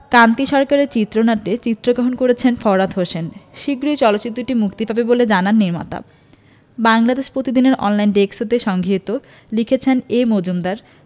কান্তি সরকারের চিত্রনাট্যে চিত্রগ্রহণ করেছেন ফরহাদ হোসেন শিগগিরই চলচ্চিত্রটি মুক্তি পাবে বলে জানান নির্মাতা বাংলাদেশ প্রতিদিন এর অনলাইন ডেস্ক হতে সংগৃহীত লিখেছেনঃ এ মজুমদার